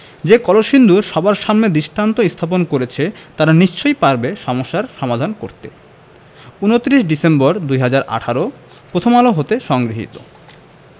যে কলসিন্দুর সবার সামনে দৃষ্টান্ত স্থাপন করেছে তারা নিশ্চয়ই পারবে সমস্যাটার সমাধান করতে ২৯ ডিসেম্বর ২০১৮ প্রথম আলো হতে সংগৃহীত